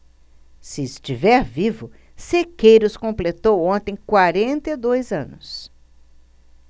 se estiver vivo sequeiros completou ontem quarenta e dois anos